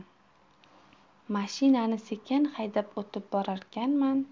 mashinani sekin haydab o'tib borarkanman